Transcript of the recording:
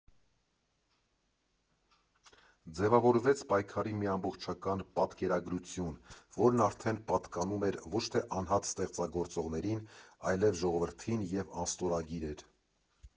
Ձևավորվեց պայքարի մի ամբողջական պատկերագրություն, որն արդեն պատկանում էր ոչ թե անհատ ստեղծագործողներին, այլ ժողովրդին և անստորագիր էր։